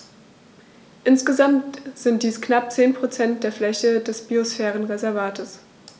Insgesamt sind dies knapp 10 % der Fläche des Biosphärenreservates.